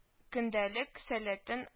Көндәлек сәләтен